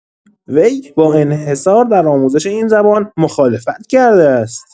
وی با انحصار در آموزش این زبان مخالفت کرده است!